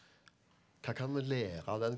hva kan vi lære av den?